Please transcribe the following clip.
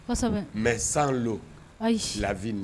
Mɛ zan la